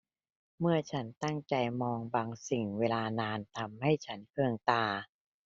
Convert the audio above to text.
เมื่อฉันตั้งใจมองบางสิ่งเวลานานทำให้ฉันเคืองตา